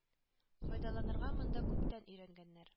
Файдаланырга монда күптән өйрәнгәннәр